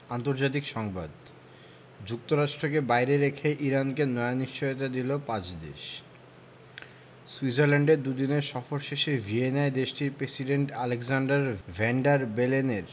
আন্তর্জাতিক সংবাদ যুক্তরাষ্ট্রকে বাইরে রেখেই ইরানকে নয়া নিশ্চয়তা দিল পাঁচ দেশ সুইজারল্যান্ডে দুদিনের সফর শেষে ভিয়েনায় দেশটির প্রেসিডেন্ট আলেক্সান্ডার ভ্যান ডার বেলেনের